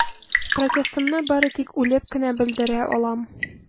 Протестымны бары тик үлеп кенә белдерә алам.